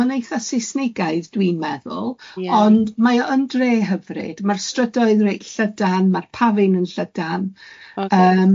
Ma'n eitha Saesnigaidd dwi'n meddwl... Ie. ...ond mae o yn dre hyfryd, ma'r strydoedd yn reit llydan, ma'r pafin yn llydan ocê.